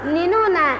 ninnu na